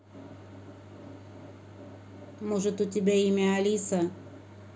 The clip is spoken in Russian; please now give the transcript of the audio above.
может у тебя имя алиса